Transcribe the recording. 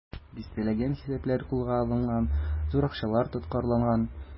Дистәләгән хисаплар кулга алынган, зур акчалар тоткарланган.